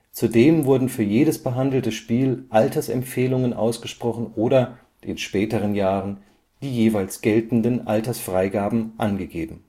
Zudem wurden für jedes behandelte Spiel Altersempfehlungen ausgesprochen oder, in späteren Jahren, die jeweils geltenden Altersfreigaben angegeben